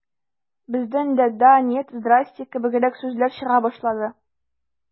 Бездән дә «да», «нет», «здрасте» кебегрәк сүзләр чыга башлады.